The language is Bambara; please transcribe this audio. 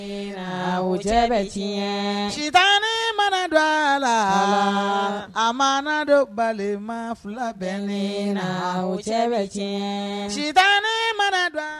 Bɛ tiɲɛ suta mana don a la a ma dɔ balilama fila bɛ le wo cɛ bɛ tiɲɛ sutaana mana don